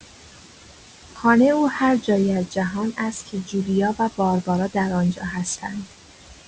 خانه او هر جایی از جهان است که جولیا و باربارا در آن‌جا هستند.